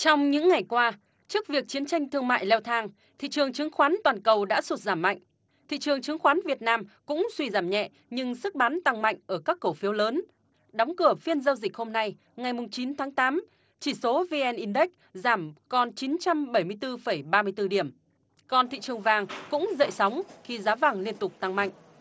trong những ngày qua trước việc chiến tranh thương mại leo thang thị trường chứng khoán toàn cầu đã sụt giảm mạnh thị trường chứng khoán việt nam cũng suy giảm nhẹ nhưng sức bán tăng mạnh ở các cổ phiếu lớn đóng cửa phiên giao dịch hôm nay ngày mùng chín tháng tám chỉ số vi en in đếc giảm còn chín trăm bảy mươi tư phẩy ba mươi tư điểm còn thị trường vàng cũng dậy sóng khi giá vàng liên tục tăng mạnh